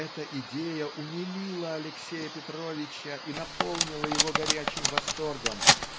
эта идея умилила Алексея Петровича и наполнила его горячим восторгом.